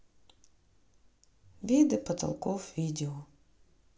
виды потолков видео